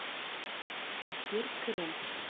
Шакир керә.